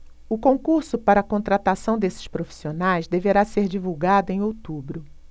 o concurso para contratação desses profissionais deverá ser divulgado em outubro